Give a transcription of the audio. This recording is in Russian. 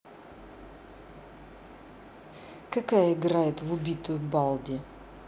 какая играет в убитую балди